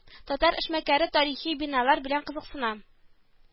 Татар эшмәкәре тарихи биналар белән кызыксына